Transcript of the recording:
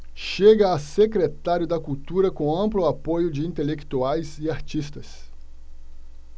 chega a secretário da cultura com amplo apoio de intelectuais e artistas